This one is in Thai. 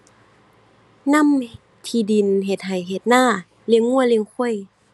นำที่ดิน เฮ็ดไร่เฮ็ดนา เลี้ยงไร่เลี้ยงควาย